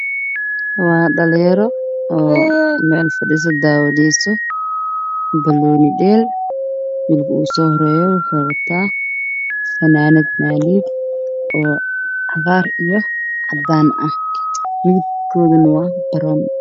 Meeshan waxaa fadhiyo niman dhalinyaro ah oo daawaneyso ciyaar toy mid ka mid ah ayaa waxa uu qabaa fanaanad midabkeedu yahay cadaar wuu ku jira caldaan